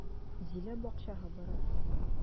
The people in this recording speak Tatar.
Зилә бакчага бара.